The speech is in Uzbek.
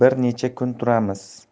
bir necha kun turamiz